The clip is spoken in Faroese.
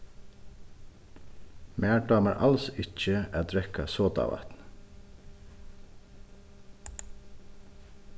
mær dámar als ikki at drekka sodavatn